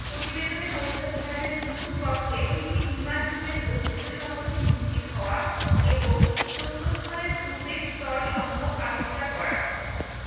প্রতিবেদনে বর্ণিত বিহারের ভিক্ষু কক্ষে তিনটি নির্মাণ যুগের অস্তিত্ব সম্পর্কে নিশ্চিত হওয়া এবং প্রত্নস্থলের পূর্বের স্তরসমূহ আবিষ্কার করা